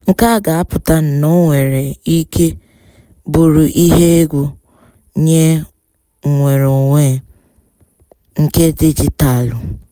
Nke a ga-apụta na ọ nwere ike bụrụ ihe egwu nye nwereonwe nke dijitalụ.